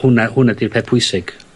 Hwnna. Hwnna di'r peth pwysig.